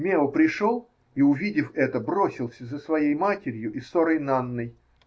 Мео пришел и, увидев это, бросился за своей матерью и сорой Нанной.